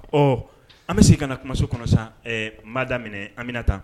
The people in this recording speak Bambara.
Ɔ an bɛ segin ka na kumaso kɔnɔ sa, ɛɛ n b'a daminɛ Aminata